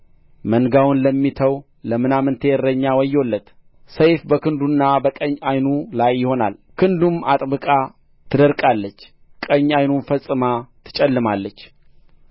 መንጋውን ለሚተው ለምናምንቴ እረኛ ወዮለት ሰይፍ በክንዱና በቀኝ ዓይኑ ላይ ይሆናል ክንዱም አጥብቃ ትደርቃለች ቀኝ ዓይኑም ፈጽሞ ትጨልማለች